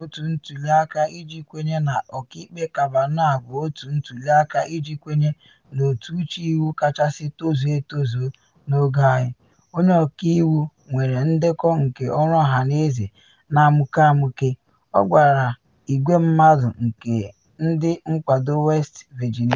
“Otu ntuli aka iji kwenye na Ọkaikpe Kavanaugh bụ otu ntuli aka iji kwenye n’otu uche iwu kachasị tozuo etozu n’oge anyị, onye ọkaiwu nwere ndekọ nke ọrụ ọhaneze na amuke amuke,” ọ gwara igwe mmadụ nke ndị nkwado West Virginia.